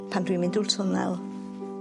Pan dwi'n mynd drw'r twnnel